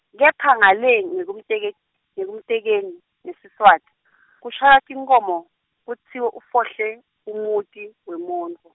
kepha ngale, ngekumteke- ngekumtekeni- ngeSiswati, kushaywa tinkhomo, kutsiwe ufohle, umuti, wemuntfu.